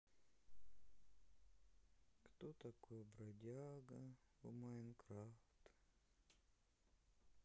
кто такой бродяга в майнкрафт